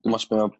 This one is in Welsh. Dim otch be ma'